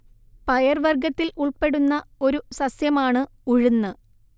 പയർ വർഗ്ഗത്തിൽ ഉൾപ്പെടുന്ന ഒരു സസ്യമാണ് ഉഴുന്ന്